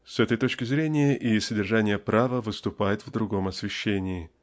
С этой точки зрения и содержание права выступает в другом освещении.